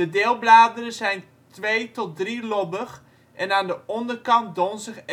deelbladeren zijn twee - tot drielobbig en aan de onderkant donzig